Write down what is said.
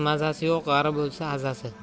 yo'q g'arib o'lsa azasi